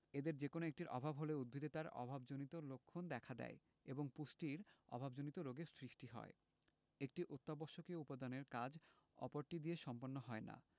এদের যেকোনো একটির অভাব হলে উদ্ভিদে তার অভাবজনিত লক্ষণ দেখা দেয় এবং পুষ্টির অভাবজনিত রোগের সৃষ্টি হয় একটি অত্যাবশ্যকীয় উপাদানের কাজ অপরটি দিয়ে সম্পন্ন হয় না